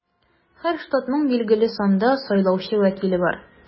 Һәр штатның билгеле санда сайлаучы вәкиле бар.